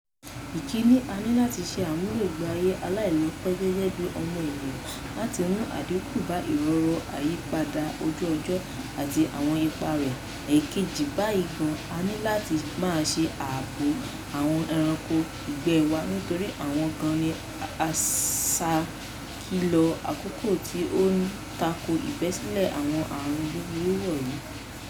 "Ìkínní, a ní láti ṣe àmúlò ìgbé ayé alálòpẹ́ gẹ́gẹ́ bí ọmọnìyàn láti mú àdínkù bá ìrorò àyípadà ojú-ọjọ́ àti àwọn ipa rẹ̀; èkejì, báyìí gan, a ní láti máa ṣe ààbò àwọn ẹranko ìgbẹ́ wa nítorí àwọn gan ni aṣèkìlọ̀ àkọ́kọ́ tí a ní tako ìbẹ́sílẹ̀ àwọn àrùn búburú wọ̀nyìí."